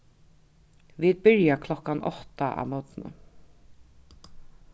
vit byrja klokkan átta á morgni